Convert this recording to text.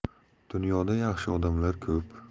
dunyoda yaxshi odamlar ko'p